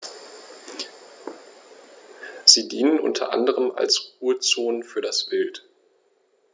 Sie dienen unter anderem als Ruhezonen für das Wild.